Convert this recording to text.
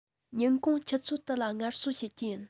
ཉིན གུང ཆུ ཚོད དུ ལ ངལ གསོ བྱེད རྒྱུ ཡིན